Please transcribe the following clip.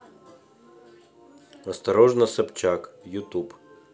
осторожно собчак ютуб